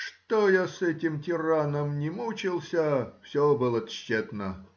Что я с этим тираном ни мучился, все было тщетно!